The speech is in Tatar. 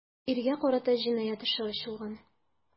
Иргә карата җинаять эше ачылган.